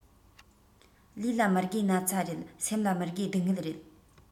ལུས ལ མི དགོས ན ཚ རེད སེམས ལ མི དགོས སྡུག བསྔལ རེད